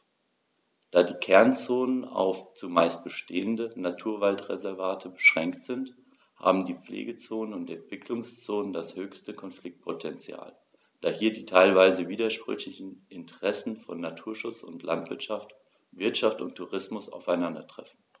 Da die Kernzonen auf – zumeist bestehende – Naturwaldreservate beschränkt sind, haben die Pflegezonen und Entwicklungszonen das höchste Konfliktpotential, da hier die teilweise widersprüchlichen Interessen von Naturschutz und Landwirtschaft, Wirtschaft und Tourismus aufeinandertreffen.